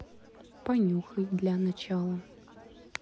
понюхай для начала